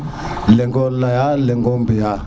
lengo leya lengo mbiya